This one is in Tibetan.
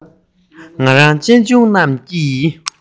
ང རང གཅེན གཅུང རྣམས ཀྱི